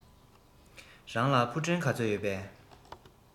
རང ལ ཕུ འདྲེན ག ཚོད ཡོད